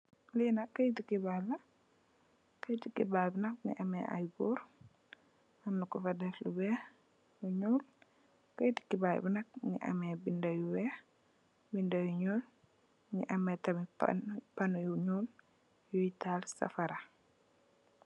Li nak kayiti xibarr la, kayiti xibarr bi nak mugii ameh gór am na kufa dèf wèèx ak ñuul. Kayiti xibarr bi nak mugii ameh bindé yu wèèx bindé yu ñuul mugii ameh tamit panu yu ñuul yuy tahal safara.